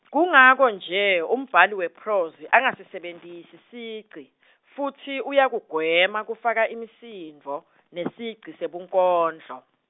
Kungako-nje, umbhali wephrozi angasisebentisi sigci, futsi uyakugwema kufaka imisindvo, nesigci sebunkondlo.